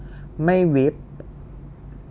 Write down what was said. ไม่วิป